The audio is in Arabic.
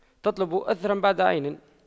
تطلب أثراً بعد عين